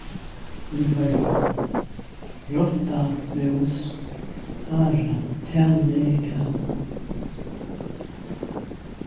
í føroyum rotta mús hara talið av